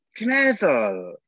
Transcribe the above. Ti'n meddwl?